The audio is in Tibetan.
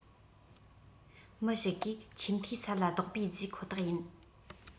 མི ཞིག གིས ཆེ མཐོའི ཚད ལ རྡོག པས བརྫིས ཁོ ཐག ཡིན